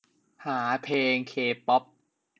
หาเพลงเคป๊อป